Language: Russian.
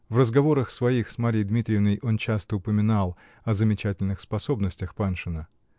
В разговорах своих с Марьей Дмитриевной он часто упоминал о замечательных способностях Паншина.